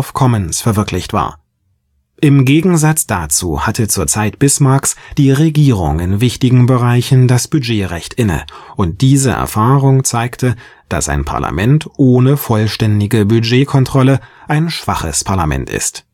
Commons verwirklicht war. Im Gegensatz dazu hatte zur Zeit Bismarcks die Regierung in wichtigen Bereichen das Budgetrecht inne, und diese Erfahrung zeigte, dass ein Parlament ohne vollständige Budgetkontrolle ein schwaches Parlament ist